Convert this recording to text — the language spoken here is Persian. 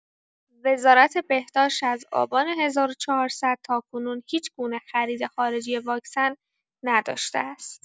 وزارت بهداشت از آبان ۱۴۰۰ تاکنون هیچ‌گونه خرید خارجی واکسن نداشته است.